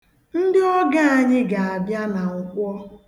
Ndị ọgọ anyị ga-abịa na Nkwọ.